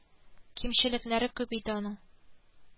Чалт аяз көн.